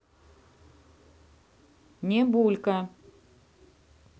не булька